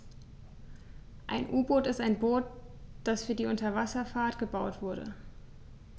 Ein U-Boot ist ein Boot, das für die Unterwasserfahrt gebaut wurde.